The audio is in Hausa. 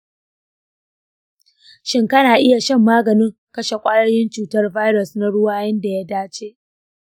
shin kana iya shan maganin kashe kwayoyin cutar virus na ruwa yadda ya dace?